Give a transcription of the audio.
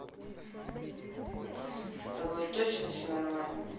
с тобой точно все нормально